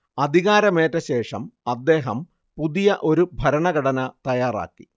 അധികാരമേറ്റശേഷം അദ്ദേഹം പുതിയ ഒരു ഭരണഘടന തയ്യാറാക്കി